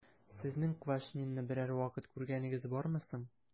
Сезнең Квашнинны берәр вакыт күргәнегез бармы соң?